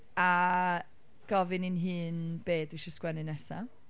a gofyn i'n hun be dwi isio sgwennu nesa.